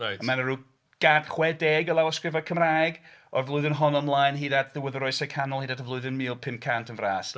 Mae 'na rhyw gant chwe deg o lawysgrifau Cymraeg o'r flwyddyn honno Ymlaen hyd at ddiwedd yr oesau canol hyd at y flwyddyn mil pump cant yn fras.